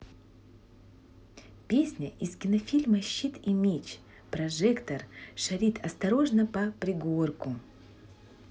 песня из кинофильма щит и меч прожектор шарит осторожно по пригорку